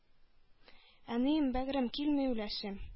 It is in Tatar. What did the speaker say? Әнием, бәгърем, килми үләсем!..